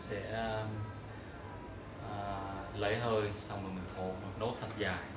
sẽ lấy hơi thổi nốt thật dài vừa thổi vừa nhấp hàm dưới lấy hơi xong mình thổi một nốt thật dài